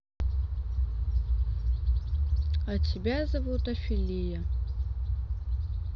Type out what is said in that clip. а тебя зовут офелия